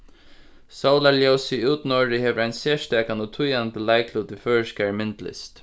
sólarljósið í útnorðri hevur ein serstakan og týðandi leiklut í føroyskari myndlist